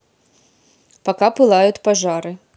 пока пылают пожары